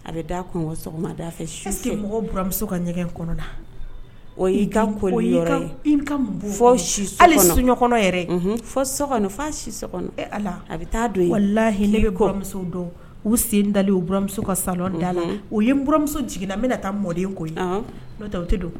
A bɛ' kun sɔgɔma da fɛ mɔgɔ buramuso ka ɲɛgɛn kɔnɔ na ka i fɔ si suɔn si ala a bɛ taa don la hinɛ nɛgɛgemuso dɔn u sen dalen buramuso ka sa dala la u yeuramuso jiginna a bɛna taa mɔden ko n'o o tɛ don